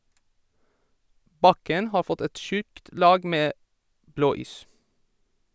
Bakken har fått et tjukt lag med blåis.